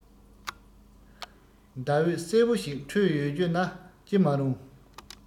ཟླ འོད གསལ བོ ཞིག འཕྲོས ཡོད རྒྱུ ན ཅི མ རུང